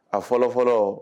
A fɔlɔ fɔlɔ